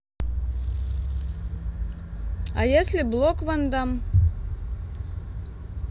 а если блок ван дам